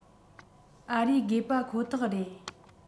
ཨ རིའི དགོས པ ཁོ ཐག རེད